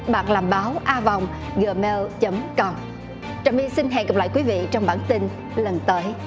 bạn làm báo a vòng gờ meo chấm com trà my xin hẹn gặp lại quý vị trong bản tin lần tới